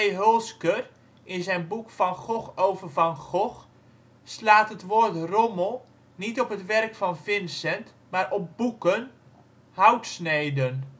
Hulsker in zijn boek Van Gogh over Van Gogh slaat het woord rommel niet op het werk van Vincent, maar op boeken, houtsneden